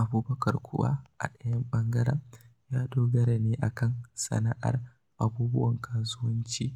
Abubakar kuwa, a ɗaya ɓangaren, ya dogara ne a kan "sa'ar" "abubuwan kasuwanci